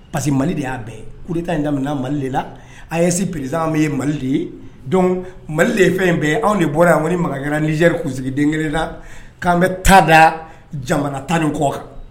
Parce mali de y'a bɛn kuru in mali de la a yesi perez bɛ ye mali de ye mali de ye fɛn in bɛ ye anw de bɔra yan ko makankɛra nizri sigi den la k'an bɛ taa da jamana tan ni kɔ kan